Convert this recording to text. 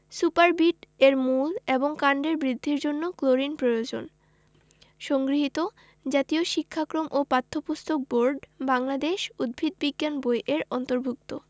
সুপারবিট এর মূল এবং কাণ্ডের বৃদ্ধির জন্য ক্লোরিন প্রয়োজন সংগৃহীত জাতীয় শিক্ষাক্রম ও পাঠ্যপুস্তক বোর্ড বাংলাদেশ উদ্ভিদ বিজ্ঞান বই এর অন্তর্ভুক্ত